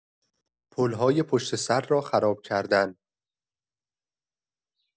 پل‌های پشت‌سر را خراب کردن